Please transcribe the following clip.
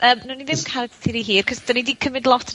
...yym nawn ni ddim cadw chi ry hir 'chos 'dyn ni 'di cymyd lot